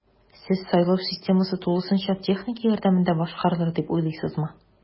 Сез сайлау системасы тулысынча техника ярдәмендә башкарарылыр дип уйлыйсызмы?